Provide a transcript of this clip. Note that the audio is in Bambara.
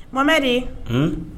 Mamamɛdi, unn.